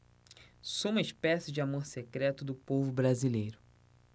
sou uma espécie de amor secreto do povo brasileiro